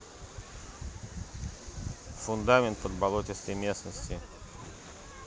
фундамент под болотистой местности